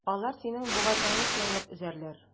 Алар синең бугазыңны чәйнәп өзәрләр.